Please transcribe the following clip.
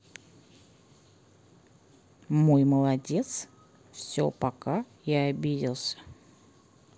мой молодец все пока я обиделся